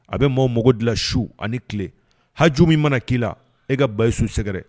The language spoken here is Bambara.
A bɛ maaw mago dilan su ani tile haj min mana k'i la e ka ba ye su sɛgɛrɛ